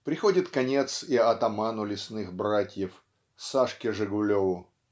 " Приходит конец и атаману лесных братьев, Сашке Жегулеву.